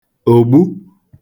ògbu